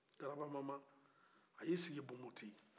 garaba mama a y'i sigi bonboti